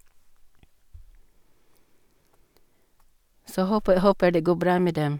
Så håpe håper det går bra med dem.